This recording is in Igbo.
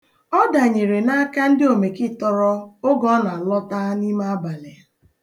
Ọ danyere n'aka ndị omekịtọrọ oge ọ na-alọta n'ime abalị.